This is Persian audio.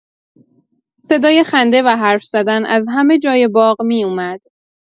صدای خنده و حرف‌زدن از همه‌جای باغ می‌اومد.